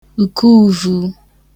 ùkuvū